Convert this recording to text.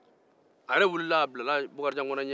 a yɛrɛ wulila a bilala bakarijan kɔnɛ ɲɛ